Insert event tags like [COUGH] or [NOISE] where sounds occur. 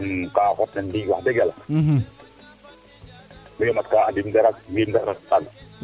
i kaa xotna no ndiig wax deg fa yala miyo mat kaa andeiim dara [UNINTELLIGIBLE]